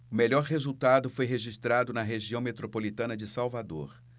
o melhor resultado foi registrado na região metropolitana de salvador